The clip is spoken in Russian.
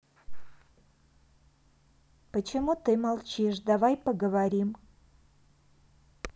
почему ты молчишь давай поговорим